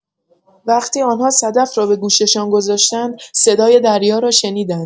وقتی آن‌ها صدف را به گوششان گذاشتند، صدای دریا را شنیدند.